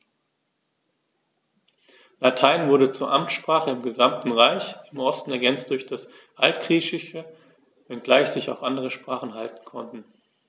Latein wurde zur Amtssprache im gesamten Reich (im Osten ergänzt durch das Altgriechische), wenngleich sich auch andere Sprachen halten konnten.